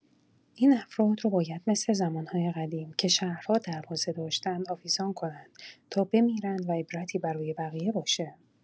این افراد رو باید مثل زمان‌های قدیم که شهرها دروازه داشتند آویزان کنند تا بمیرند و عبرتی برای بقیه باشه.